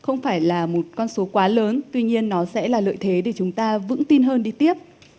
không phải là một con số quá lớn tuy nhiên nó sẽ là lợi thế để chúng ta vững tin hơn đi tiếp